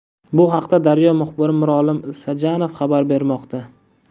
bu haqda daryo muxbiri mirolim isajonov xabar bermoqda